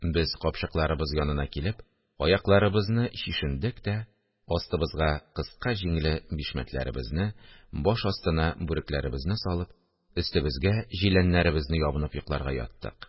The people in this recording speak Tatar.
Без, капчыкларыбыз янына килеп, аякларыбызны чишендек тә, астыбызга кыска җиңле бишмәтләребезне, баш астына бүрекләребезне салып, өстебезгә җиләннәребезне ябынып йокларга яттык